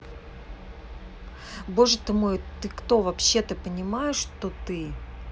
боже мой ты кто вообще ты понимаешь что ты